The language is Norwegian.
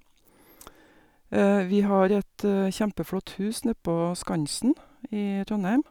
Vi har et kjempeflott hus nedpå Skansen i Trondheim.